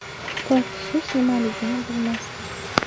tortishish nimaligini bilmasdi